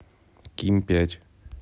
ким пять